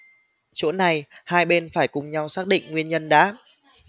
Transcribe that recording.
chỗ này hai bên phải cùng nhau xác định nguyên nhân đã